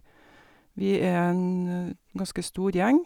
Vi er en ganske stor gjeng.